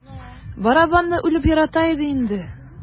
Барабанны үлеп ярата иде инде.